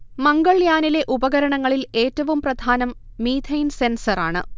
മംഗൾയാനിലെ ഉപകരണങ്ങളിൽ ഏറ്റവും പ്രധാനം മീഥെയ്ൻ സെൻസർ ആണ്